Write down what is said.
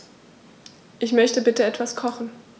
Ich möchte bitte etwas kochen.